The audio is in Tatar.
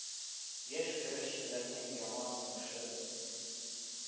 Яшь көрәшчеләрнең яңа уңышы